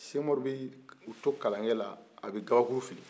sɛk umar bɛ u to kalankɛ la a bɛ gabakuru fili